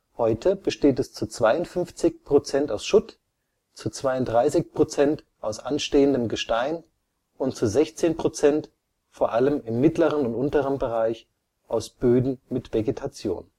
Heute besteht es zu 52 % aus Schutt, zu 32 % aus anstehendem Gestein und zu 16 %, vor allem im mittleren und unteren Bereich, aus Böden mit Vegetation